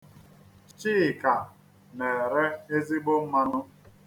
Chika na-ere ezigbo mmanụ.